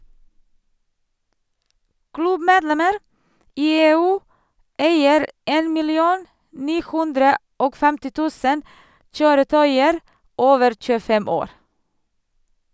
Klubbmedlemmer i EU eier 1 950 000 kjøretøyer over 25 år.